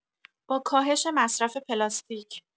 با کاهش مصرف پلاستیک